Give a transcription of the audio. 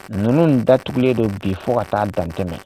Ninnu in datugulen de bi fɔ ka taa dantɛmɛ